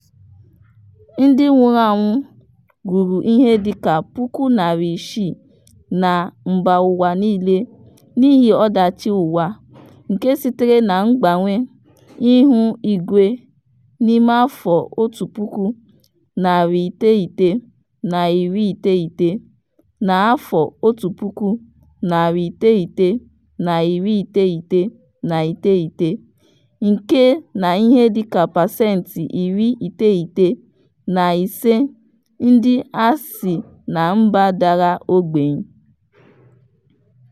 Ndị nwụrụ anwụ ruru ihe dịka puku narị isii na mba ụwa niile n'ihi ọdachi ụwa nke sitere na mgbanwe ihu igwe n'ime afọ otu puku, narị iteghete na iri iteghete (1990) na afọ otu puku, narị iteghete na iri iteghete na iteghete (1999) nke na ihe dịka pesentị iri iteghete na ise ndị a si na mba dara ogbenye.